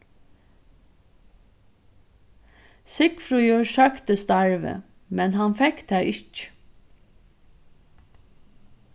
sigfríður søkti starvið men hann fekk tað ikki